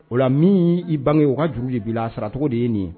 O la min i bange o ka jugu juru de bila a saracogo de ye nin ye